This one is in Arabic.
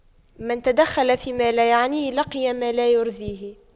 من تَدَخَّلَ فيما لا يعنيه لقي ما لا يرضيه